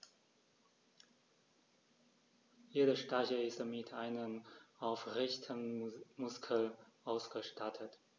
Jeder Stachel ist mit einem Aufrichtemuskel ausgestattet.